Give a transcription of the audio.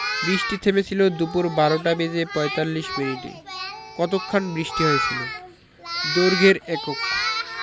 বৃষ্টি থেমেছিল দুপুর ১২টা বেজে ৪৫ মিনিটে কতক্ষণ বৃষ্টি হয়েছিল দৈর্ঘ্যের এককঃ